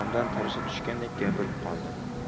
tomdan tarasha tushgandek gapirib qoldi